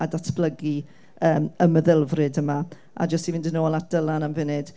a datblygu yym y meddylfryd yma. A jyst i fynd yn ôl at Dylan am funud,